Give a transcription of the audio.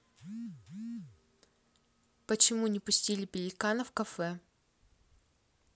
почему не пустили пеликана в кафе